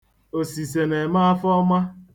Osise na-eme Afọma.